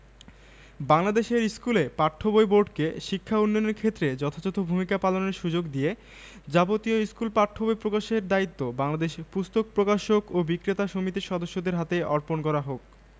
collected from intermediate Bangla Bengali Clinton B Seely